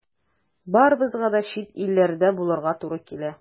Барыбызга да чит илләрдә булырга туры килә.